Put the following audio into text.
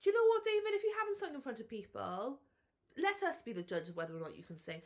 Do you know what David, if you haven't sung in front of people, let us be the judge of whether or not you can sing.